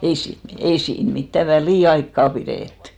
ei siinä ei siinä mitään väliaikaa pidetty